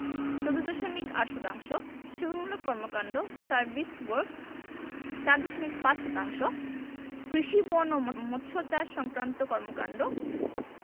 ১৪দশমিক ৮ শতাংশ সেবামূলক কর্মকান্ড সার্ভিস ওয়ার্ক্স ৪ দশমিক ৫ শতাংশ কৃষি বন ও মৎসচাষ সংক্রান্ত কর্মকান্ড